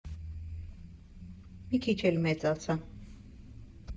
Մի քիչ էլ մեծացա։